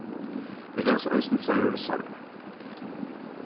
vit lósu eisini fleiri russarar